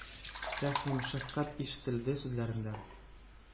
Рәхим, шәфкать ишетелде сүзләрендә.